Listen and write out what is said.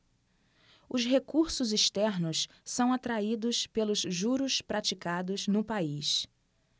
os recursos externos são atraídos pelos juros praticados no país